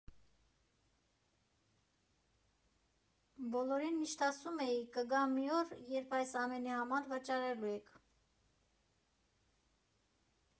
Բոլորին միշտ ասում էի՝ կգա մի օր, երբ այս ամենի համար վճարելու եք։